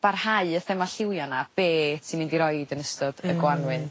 barhau y thema lliwia' 'na be' ti'n mynd i roid yn ystod y Gwanwyn.